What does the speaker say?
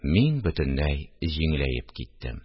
Мин бөтенләй җиңеләеп киттем